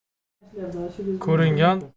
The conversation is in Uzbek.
ko'ringan tog'ning yirog'i yo'q